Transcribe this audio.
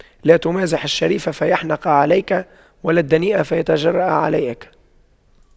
لا تمازح الشريف فيحنق عليك ولا الدنيء فيتجرأ عليك